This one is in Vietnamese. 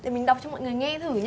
để mình đọc cho mọi người nghe thử nhá